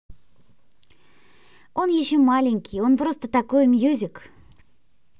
он еще маленький он просто такой music